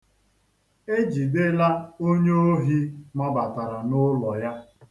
E jidela onyoohi mabatara n'ụlọ ya.